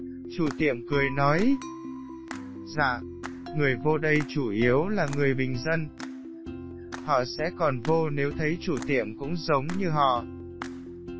chủ tiệm dạ người vô đây chủ yếu là người bình dân họ sẽ còn vô nếu thấy chủ tiệm cũng giống như họ